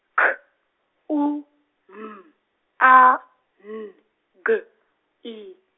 K U M A N G I.